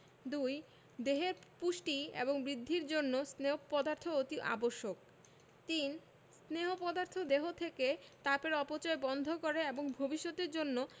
২. দেহের পুষ্টি এবং বৃদ্ধির জন্য স্নেহ পদার্থ অতি আবশ্যক ৩. স্নেহ পদার্থ দেহ থেকে তাপের অপচয় বন্ধ করে এবং ভবিষ্যতের জন্য